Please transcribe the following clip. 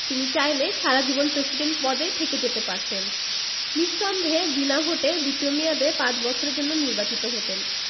তিনি চাইলে সারা জীবন প্রেসিডেন্ট পদে থেকে যেতে পারতেন নিঃসন্দেহে বিনা ভোটে দ্বিতীয় মেয়াদে পাঁচ বছরের জন্য নির্বাচিত হতেন